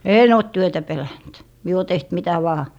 en ole työtä pelännyt minä olen tehnyt mitä vain